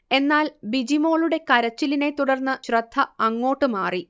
എന്നാൽ ബിജി മോളുടെ കരച്ചിലിനെ തുടർന്ന് ശ്രദ്ധ അങ്ങോട്ട് മാറി